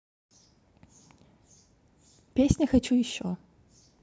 песня хочу еще